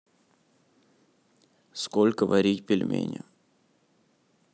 сколько варить пельмени